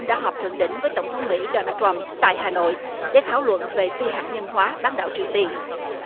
đã họp thượng đỉnh với tổng thống mỹ đô na troăm tại hà nội để thảo luận về phi hạt nhân hóa bán đảo triều tiên